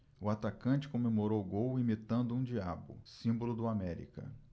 o atacante comemorou o gol imitando um diabo símbolo do américa